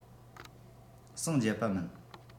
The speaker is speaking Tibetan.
ཟིང རྒྱབ པ མིན